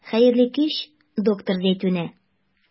Хәерле кич, доктор Зәйтүнә.